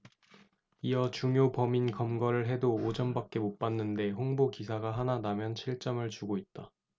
이어 중요 범인 검거를 해도 오 점밖에 못 받는데 홍보 기사가 하나 나면 칠 점을 주고 있다